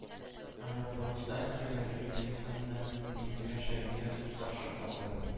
Аэропортта Хиллари Клинтонны Минтимер Шәймиев каршы алды.